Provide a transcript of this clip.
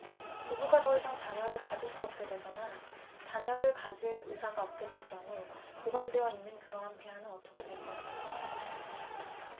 부부가 더 이상 자녀를 가질 수 없게 되거나 자녀를 가질 의사가 없게 될 경우 보관되어 있는 그러한 배아는 어떻게 될 것인가